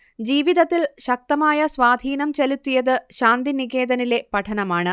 ജീവിതത്തിൽ ശക്തമായ സ്വാധീനം ചെലുത്തിയത് ശാന്തിനികേതനിലെ പഠനമാണ്